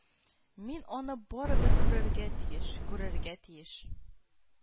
Мин аны барыбер күрергә тиеш, күрергә тиеш